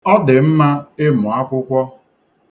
Ọ dị mma ịmụ akwụkwọ.